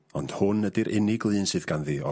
Ond hwn ydi'r unig lun sydd ganddi o...